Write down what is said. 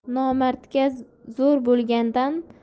nomardga zor bo'lgandan